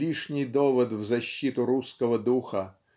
лишний довод в защиту русского духа